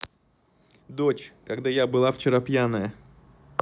дочь когда я была вчера пьяная